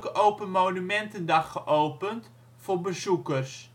Open Monumentendag geopend voor bezoekers